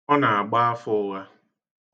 Ọ na-agba afa ụgha.